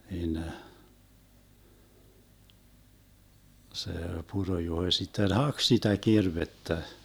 siinä se Puro-Juho sitten haki sitä kirvestä